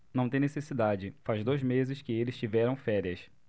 não tem necessidade faz dois meses que eles tiveram férias